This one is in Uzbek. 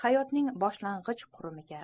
hayotning boshlang'ich qurumiga